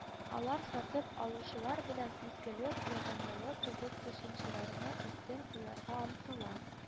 Алар сатып алучылар белән “изгелек”, “ягымлылык” кебек төшенчәләрне өстен куярга омтыла